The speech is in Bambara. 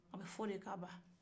a bɛ fɔ de k'a ba